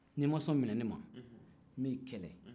n'i ma sɔn minɛni ma n b'i kɛlɛ